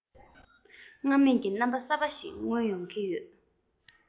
སྔར མེད ཀྱི རྣམ པ གསར པ ཞིག མངོན ཡོང གི འདུག